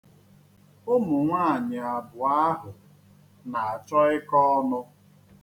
Ụmụ nwaanyị abụọ ahụ na-achọ ịkọ ọnụ.